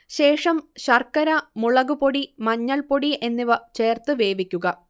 ശേഷം ശർക്കര, മുളക്പൊടി മഞ്ഞൾപ്പൊടി എന്നിവ ചേർത്ത് വേവിക്കുക